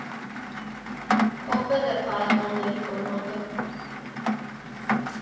«Փոխվել է փառատոների ֆորմատը։